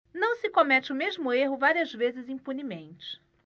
não se comete o mesmo erro várias vezes impunemente